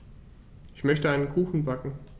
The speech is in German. Ich möchte einen Kuchen backen.